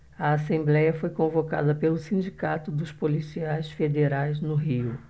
a assembléia foi convocada pelo sindicato dos policiais federais no rio